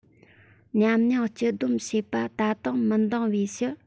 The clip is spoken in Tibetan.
ཉམས མྱོང སྤྱི སྡོམ བྱེད པ ད དུང མི འདང པའི ཕྱིར